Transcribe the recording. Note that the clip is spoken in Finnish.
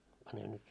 pane nyt